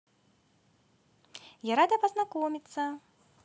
я рада познакомиться